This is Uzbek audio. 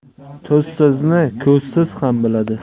tuzsizni ko'zsiz ham biladi